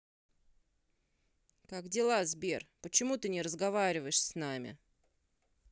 как дела сбер почему ты не разговариваешь с нами